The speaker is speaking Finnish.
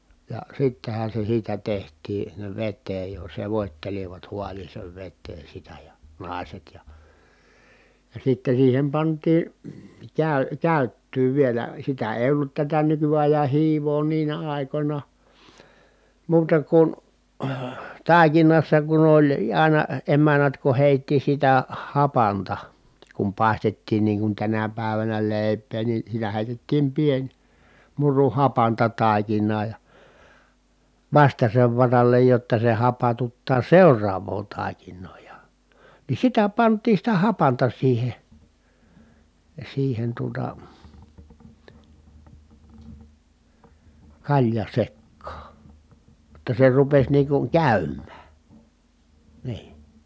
ja sittenhän se siitä tehtiin sinne veteen jo sekoittelivat haaleaan veteen sitä ja naiset ja ja sitten siihen pantiin - käyttöä vielä sitä ei ollut tätä nykyajan hiivaa niinä aikoina muuta kuin taikinassa kun oli aina emännät kun heitti sitä hapanta kun paistettiin niin kuin tänä päivänä leipää niin sitä heitettiin pieni muru hapanta taikinaa ja vastaisen varalle jotta se hapatuttaa seuraavaa taikinaa ja niin sitä pantiin sitä hapanta siihen siihen tuota kaljan sekaan jotta se rupesi niin kuin käymään niin